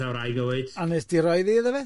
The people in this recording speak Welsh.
A wnes di roi ddi iddo fe?